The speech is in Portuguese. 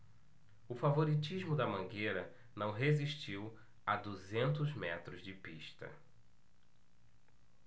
o favoritismo da mangueira não resistiu a duzentos metros de pista